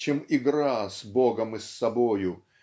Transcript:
чем игра с Богом и с собою